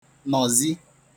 nọ̀zi